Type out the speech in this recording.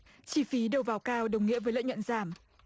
chi phí đầu vào cao đồng nghĩa với lợi nhuận giảm